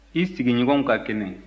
i sigiɲɔgɔnw ka kɛnɛ